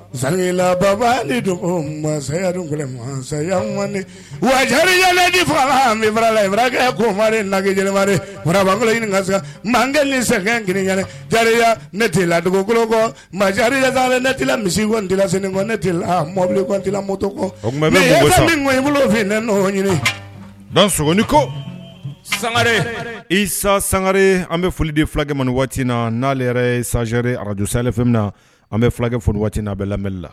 Sajila anlakɛ ko mari nakɛ ni sa jaya ne tɛ la dugukolonkɔ ma netila misitila nela mɔbilitila moto bolo fɛ ne ɲini donɔgɔn ko sangare isa sangare an bɛ foli di fulakɛ man waati na n'ale yɛrɛ ye sanre araj ale na an bɛ fulakɛ f waati na a bɛ labla